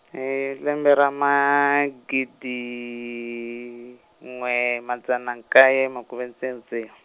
he lembe ra magidi, n'we madzana nkaye makume ntse ntse .